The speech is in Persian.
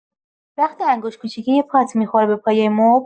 وقتی انگشت کوچیۀ پات می‌خوره به پایۀ مبل